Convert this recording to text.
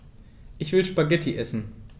Ich will Spaghetti essen.